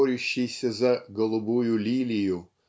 борющийся за "голубую лилию"